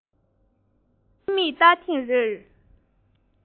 སྔར སོང གི བྱ བར ཕྱི མིག བལྟ ཐེངས རེར